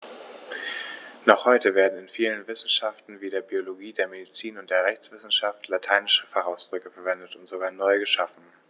Noch heute werden in vielen Wissenschaften wie der Biologie, der Medizin und der Rechtswissenschaft lateinische Fachausdrücke verwendet und sogar neu geschaffen.